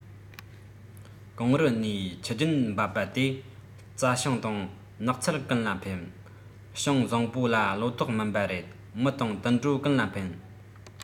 གངས རི ནས ཆུ རྒྱུན བབས པ དེ རྩྭ ཤིང དང ནགས ཚལ ཀུན ལ ཕན ཞིང བཟང པོ ལ ལོ ཏོག སྨིན པ རེད མི དང དུད འགྲོ ཀུན ལ ཕན